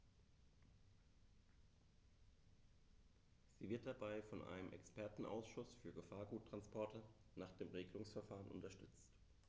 Sie wird dabei von einem Expertenausschuß für Gefahrguttransporte nach dem Regelungsverfahren unterstützt.